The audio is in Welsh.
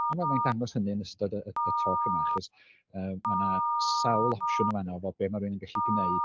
dangos hynny yn ystod y y y talk yma achos yy ma' 'na sawl opsiwn yn fanna efo be ma' rywun yn gallu gwneud.